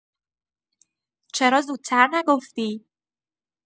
چرا زودتر نگفتی؟